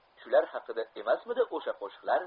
shular haqida emasmidi o'sha qo'shiqlar